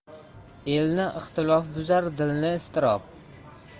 elni ixtilof buzar dilni iztirob